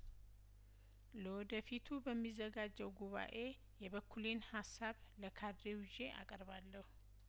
ለወደፊቱ በሚዘጋጀው ጉባኤ የበኩሌን ሀሳብ ለካድሬው ይዤ አቀርባለሁ